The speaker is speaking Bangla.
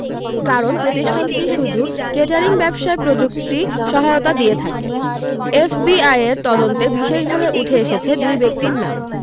কারণ প্রতিষ্ঠানটি শুধু কেটারিং ব্যবসায় প্রযুক্তি সহায়তা দিয়ে থাকে এফবিআইয়ের তদন্তে বিশেষভাবে উঠে এসেছে দুই ব্যক্তির নাম